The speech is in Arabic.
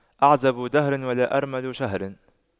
أعزب دهر ولا أرمل شهر